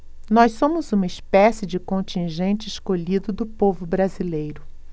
nós somos uma espécie de contingente escolhido do povo brasileiro